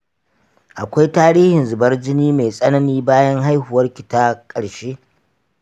akwai tarihin zubar jini mai tsanani bayan haihuwarki ta ƙarshe?